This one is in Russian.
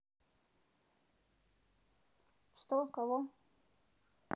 что кого